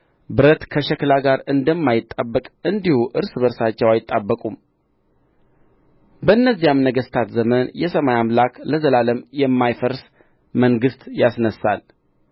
ብረት ከሸክላ ጋር እንደማይጣበቅ እንዲሁ እርስ በርሳቸው አይጣበቁም በእነዚያም ነገሥታት ዘመን የሰማይ አምላክ ለዘላለም የማይፈርስ መንግሥት ያስነሣል